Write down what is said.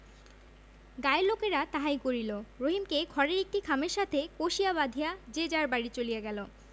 গাঁয়ের লোকেরা তাহাই করিল রহিমকে ঘরের একটি খামের সাথে কষিয়া বাধিয়া যে যার বাড়ি চলিয়া গেল